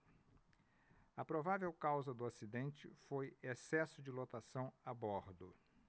a provável causa do acidente foi excesso de lotação a bordo